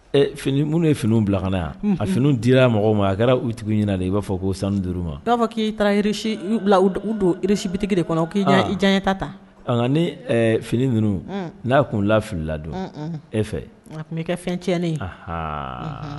Fini minnuu ye finiw bila kana yan a fini dira mɔgɔ ma a kɛra u tigi ɲini i b'a fɔ koo sanu duuru ma k'a fɔ k'i taarari u donrisibitigi de kɔnɔ k'i i jan ta ni fini ninnu n'a kun la filililadon e fɛ a tun' kɛ fɛn cɛ ah